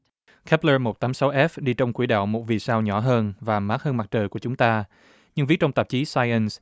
khắp nơ một tám sáu ép đi trong quỹ đạo một vì sao nhỏ hơn và mát hơn mặt trời của chúng ta nhưng viết trong tạp chí sai ưn